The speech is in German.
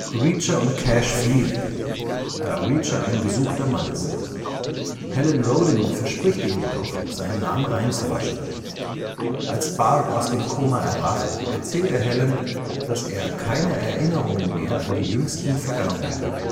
Reacher und Cash fliehen, da Reacher ein gesuchter Mann ist. Helen Rodin verspricht ihm jedoch seinen Namen reinzuwaschen. Als Barr aus dem Koma erwacht, erzählt er Helen, dass er keine Erinnerungen mehr an die jüngsten Vergangenheit hat